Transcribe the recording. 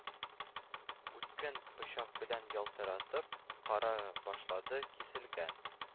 Үткен пычак белән ялтыратып кыра башлады, киселгән